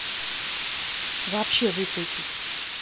вообще выключить